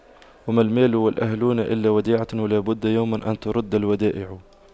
وما المال والأهلون إلا وديعة ولا بد يوما أن تُرَدَّ الودائع